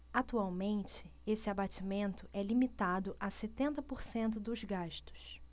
atualmente esse abatimento é limitado a setenta por cento dos gastos